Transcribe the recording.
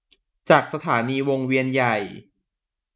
จากสถานีวงเวียนใหญ่